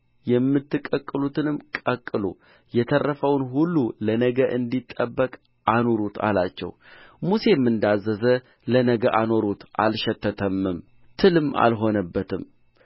የምትቀቅሉትንም ቀቅሉ የተረፈውን ሁሉ ለነገ እንዲጠበቅ አኑሩት አላቸው ሙሴም እንዳዘዘ ለነገ አኖሩት አልሸተተም ትልም አልሆነበትም